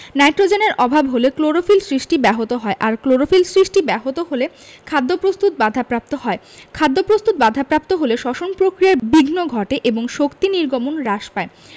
নাইট্রোজেনের অভাব হলে ক্লোরোফিল সৃষ্টি ব্যাহত হয় আর ক্লোরোফিল সৃষ্টি ব্যাহত হলে খাদ্য প্রস্তুত বাধাপ্রাপ্ত হয় খাদ্যপ্রস্তুত বাধাপ্রাপ্ত হলে শ্বসন প্রক্রিয়ায় বিঘ্ন ঘটে এবং শক্তি নির্গমন হ্রাস পায়